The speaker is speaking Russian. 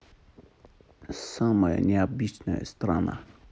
самая необычная страна